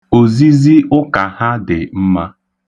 Ozizi ụka ha dị mma.